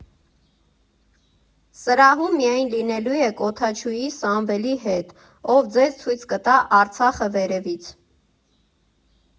Սրահում միայն լինելու եք օդաչուի՝ Սամվելի հետ, ով ձեզ ցույց կտա Արցախը վերևից։